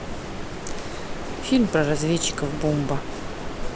фильм про разведчиков бомба